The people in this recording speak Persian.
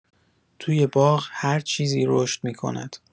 توی باغ، هر چیزی رشد می‌کند